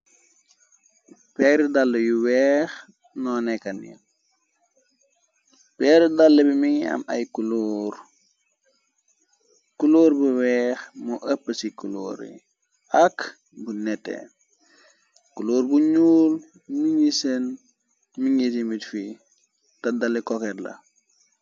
Peer dala yu weex noo nekkan yi peer dal bi mingi am ay klorkulóor bu weex moo ëpp ci kuloor yi ak bu nete kuloor bu ñuul mu ngi seen mi ngi ci mit fi te dale koket la.